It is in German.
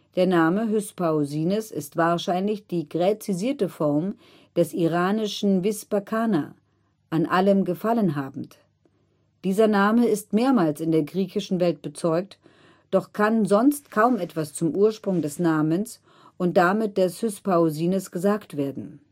Der Name Hyspaosines ist wahrscheinlich die gräzisierte Form des iranischen Vispa-canah (an allem Gefallen habend). Dieser Name ist mehrmals in der griechischen Welt bezeugt, doch kann sonst kaum etwas zum Ursprung des Namens und damit des Hyspaosines gesagt werden